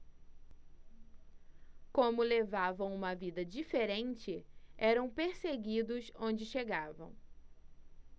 como levavam uma vida diferente eram perseguidos onde chegavam